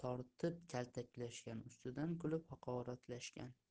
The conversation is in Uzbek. tortib kaltaklashgan ustidan kulib haqoratlashgan